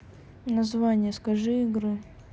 название скажи игры